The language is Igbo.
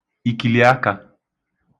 ìkìlìakā